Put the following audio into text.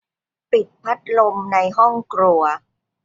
ปิดพัดลมในห้องครัว